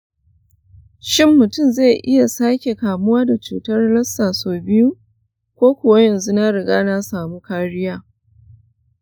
shin mutum zai iya sake kamuwa da cutar lassa sau biyu, ko kuwa yanzu na riga na samu kariya?